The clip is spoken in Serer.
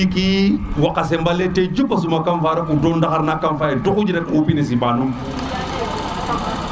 garid ndiki woqa sembale te juga suma kam fa reka nduf ndaxar na kam fa tuxuj rek upine siɓa num